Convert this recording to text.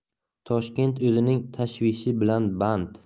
toshkent o'zining tashvishi bilan band